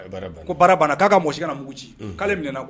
Ɛ baara banna ko baara banna k'a ka mɔgɔsi kana mugu ci unhun k'ale minɛ quoi